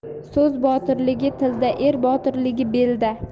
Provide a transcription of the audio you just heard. so'z botirligi tilda er botirligi belda